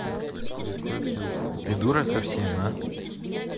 ты дура совсем а